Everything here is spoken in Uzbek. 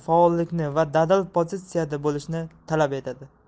faolllikni va dadil pozitsiyada bo'lishni talab etadi